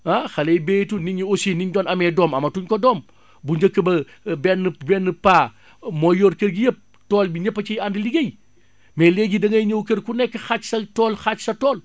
ah xale yi bayatuñ nit ñi aussi ni ñu doon amee doom amatuñ ko doom bu njëkk ba benn benn paa mooy yor kër gi yépp tool bi ñépp a ciy ànd liggéey mais léegi da ngay ñëw kër ku nekk xaaj sa tool xaaj sa tool